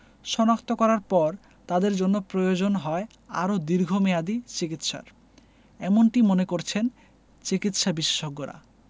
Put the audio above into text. শনাক্ত করার পর তাদের জন্য প্রয়োজন হয় আরও দীর্ঘমেয়াদি চিকিৎসার এমনটিই মনে করছেন চিকিৎসাবিশেষজ্ঞরা